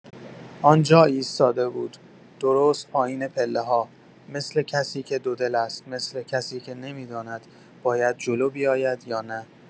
آنجا ایستاده بود، درست پایین پله‌ها، مثل کسی که دو دل است، مثل کسی که نمی‌داند باید جلو بیاید یا نه.